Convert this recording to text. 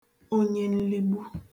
onyenligbu